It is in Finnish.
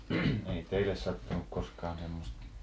no ei teille sattunut koskaan semmoista